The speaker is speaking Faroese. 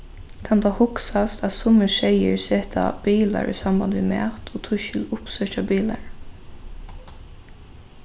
kann tað hugsast at summir seyðir seta bilar í samband við mat og tískil uppsøkja bilar